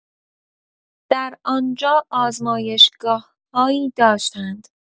در آنجا آزمایشگاه‌هایی داشتند.